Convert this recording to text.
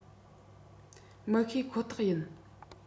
མི ཤེས ཁོ ཐག ཡིན